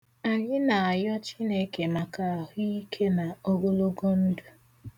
Anyị na-ayọ Chineke maka ahụike na ogologo ndu.